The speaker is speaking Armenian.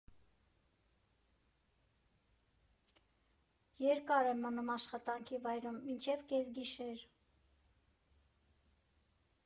Երկար եմ մնում աշխատանքի վայրում, մինչև կեսգիշեր։